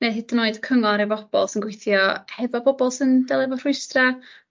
ne' hyd yn oed cyngor i bobol sy'n gweithio hefo bobol sy'n delio efo rhwystra'